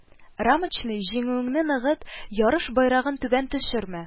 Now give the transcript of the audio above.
Рамочный, җиңүеңне ныгыт, ярыш байрагын түбән төшермә